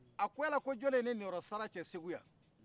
a ko yala ko jɔni ye ninyɔrɔsara cɛ segu yan